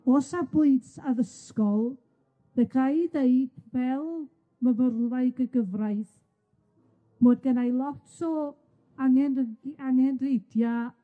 O safbwynt addysgol, fe ca i ddeud, fel myfyrwraig y gyfraith, mod genna i lot o angenrhyd- angenrheidia